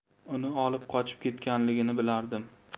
uni olib qochib ketganligini bilardim